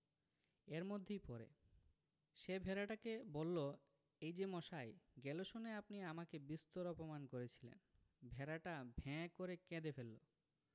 এর মধ্যেই পড়ে সে ভেড়াটাকে বলল এই যে মশাই গেল সনে আপনি আমাকে বিস্তর অপমান করেছিলেন ভেড়াটা ভ্যাঁ করে কেঁদে ফেলল